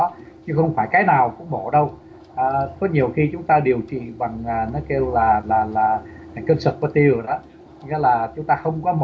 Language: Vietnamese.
chứ không phải cái nào cũng bỏ đâu có nhiều khi chúng ta điều chỉnh bằng à nó kêu là là là cơm sập mất tiêu là chúng ta không có